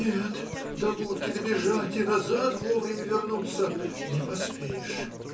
Нет, до будки добежать и назад вовремя вернуться не поспеешь.